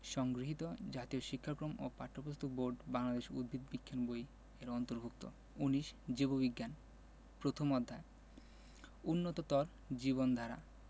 সংগৃহীত জাতীয় শিক্ষাক্রম ও পাঠ্যপুস্তক বোর্ড বাংলাদেশ উদ্ভিদ বিজ্ঞান বই এর অন্তর্ভুক্ত ১৯ জীববিজ্ঞান প্রথম অধ্যায় উন্নততর জীবনধারা